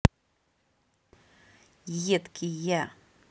едкий я